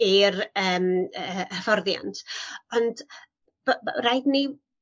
i'r yym y y hyfforddiant ond by- by- raid ni i'w